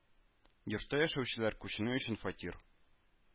Йортта яшәүчеләр күченү өчен фатир